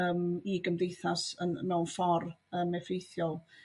yym i gymdeithas yn mewn ffor' yym effeithiol.